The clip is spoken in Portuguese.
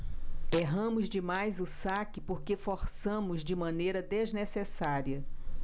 erramos demais o saque porque forçamos de maneira desnecessária